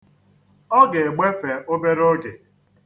Ọ ga-egbefe obere oge.